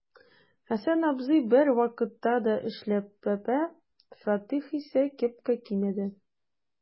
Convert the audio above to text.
Хәсән абзый бервакытта да эшләпә, Фатих исә кепка кимәде.